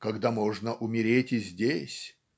когда можно умереть и здесь